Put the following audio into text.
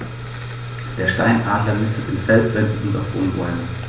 Der Steinadler nistet in Felswänden und auf hohen Bäumen.